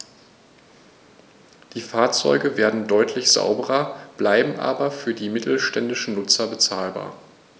Die Fahrzeuge werden deutlich sauberer, bleiben aber für die mittelständischen Nutzer bezahlbar.